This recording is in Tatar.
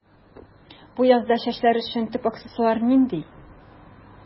Бу язда чәчләр өчен төп аксессуар нинди?